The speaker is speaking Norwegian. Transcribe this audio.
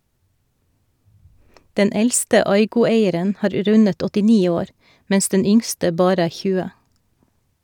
Den eldste Aygo-eieren har rundet åttini år, mens den yngste bare er tjue.